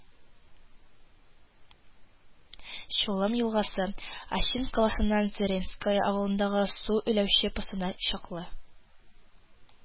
Чулым елгасы, Ачинск каласыннан Зырянское авылындагы су үлчәү постына чаклы